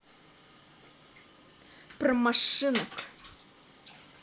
про машинок